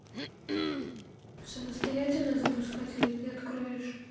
самостоятельно запускать или ты откроешь